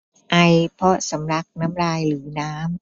ไอเพราะสำลักน้ำลายหรือน้ำ